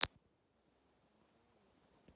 ефимов анатолий